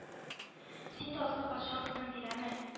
Син тазга патша кызын бирәме